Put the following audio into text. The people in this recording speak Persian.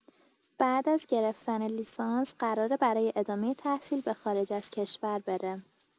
بعد از گرفتن لیسانس، قراره برای ادامه تحصیل به خارج از کشور بره.